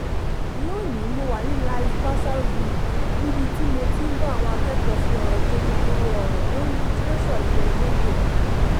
Lónìí mo wà ní lycée Bassar Ville níbi tí mo ti ń bá àwọn akẹ́kọ̀ọ́ fi ọ̀rọ̀ jomitoro lórí litiréṣọ̀ ilẹ̀ Togo.